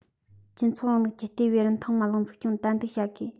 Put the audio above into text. སྤྱི ཚོགས རིང ལུགས ཀྱི ལྟེ བའི རིན ཐང མ ལག འཛུགས སྐྱོང ཏན ཏིག བྱ དགོས